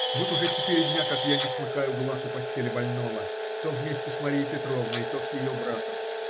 -------------- Вот уже четыре дня, как я не смыкаю глаз у постели больного, то вместе с Марьей Петровной, то с ее братом.